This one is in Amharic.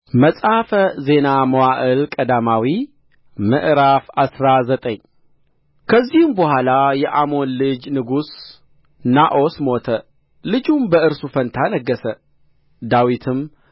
መጽሐፈ ዜና መዋዕል ቀዳማዊ ምዕራፍ አስራ ዘጠኝ ከዚህም በኋላ የአሞን ልጆች ንጉሥ ናዖስ ሞተ ልጁም በእርሱ ፋንታ ነገሠ ዳዊትም